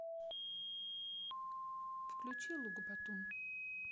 включи лук батун